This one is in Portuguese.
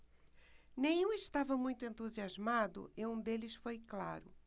nenhum estava muito entusiasmado e um deles foi claro